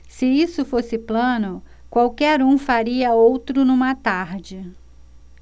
se isso fosse plano qualquer um faria outro numa tarde